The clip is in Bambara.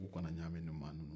k'u kana u ɲami mɔgɔ ninnu na